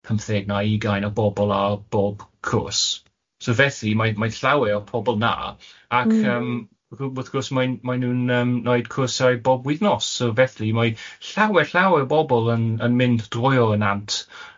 pumtheg na ugain o bobol ar bob cws, so felly mae mae llawer o'r pobol nâ ac yym wrth gwrs mae'n mae nhw'n yym wneud cwsau bob wythnos, so felly mae llawer llawer o bobol yn yn mynd drwy'r y nant yym... Ie.